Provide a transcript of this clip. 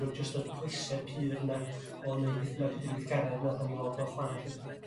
ma' nhw jyst yr pleser pur yna o wneud beth b'nag ydy'r w'ithgaredd nathon ni weld fel chwara' 'lly.